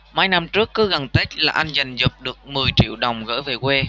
mấy năm trước cứ gần tết là anh dành dụm được mươi triệu đồng gửi về quê